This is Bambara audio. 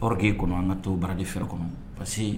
orgueil kɔnɔ an ka to bras de fer kɔnɔ parce que